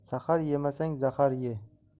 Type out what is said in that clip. sahar yemasang zahar ye